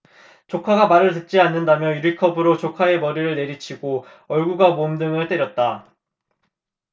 조카가 말을 듣지 않는다며 유리컵으로 조카의 머리를 내리치고 얼굴과 몸 등을 때렸다